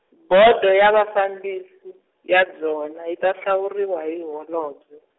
Bodo ya Vafambisi ya byona yi ta hlawuriwa hi holobye.